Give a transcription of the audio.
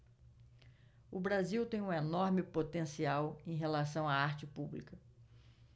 o brasil tem um enorme potencial em relação à arte pública